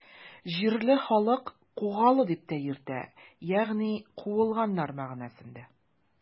Җирле халык Кугалы дип тә йөртә, ягъни “куылганнар” мәгънәсендә.